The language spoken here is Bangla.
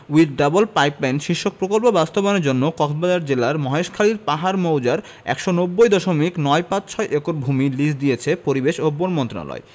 উইথ ডাবল পাইপলাইন শীর্ষক প্রকল্প বাস্তবায়নের জন্য কক্সবাজার জেলার মহেশখালীর পাহাড় মৌজার ১৯০ দশমিক নয় পাঁচ ছয় একর ভূমি লিজ দিয়েছে পরিবেশ ও বন মন্ত্রণালয়